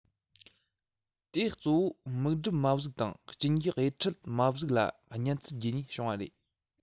དེ གཙོ བོ མིག འབྲུམ མ གཟུགས དང གཅིན རྒྱུ དབྱེ ཕྲལ མ གཟུགས ལ གཉན ཚད རྒྱས ནས བྱུང བ རེད